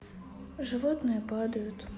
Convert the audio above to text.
животные падают